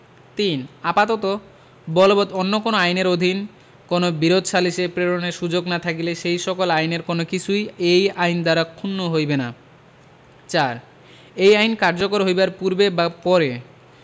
৩ আপাতত বলবৎ অন্য কোন আইনের অধীন কোন বিরোধ সালিসে প্রেরণের সুযোগ না থাকিলে সেই সকল আইনের কোন কিছুই এই আইন দ্বারা ক্ষুণ্ণ হইবে না ৪ এই আইন কার্যকর হইবার পূর্বে বা পরে